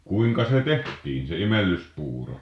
kuinka se tehtiin se imellyspuuro